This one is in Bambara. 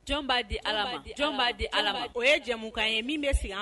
Jɔn b'a di jɔn b'a di ala o ye jamumukan ye min bɛ sigi